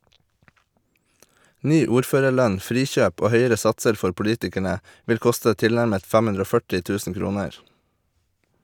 Ny ordførerlønn, frikjøp og høyere satser for politikerne, vil koste tilnærmet 540 000 kroner.